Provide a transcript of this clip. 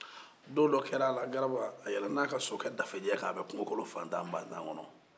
don dɔ kɛra la garaba a yɛlɛla a ka sokɛ dafejɛ kan a bɛ kungo kolon fatan batan kɔnɔ